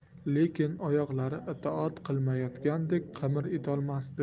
lekin oyoqlari itoat qilmayotgandek qimir etolmasdi